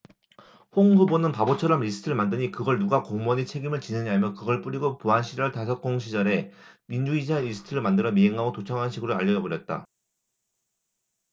홍 후보는 바보처럼 리스트를 만드니 그걸 누가 공무원이 책임을 지느냐며 그걸 뿌리고 보안시절 다섯 공시절에 민주인사 리스트를 만들어 미행하고 도청하는 식으로 알려 버렸다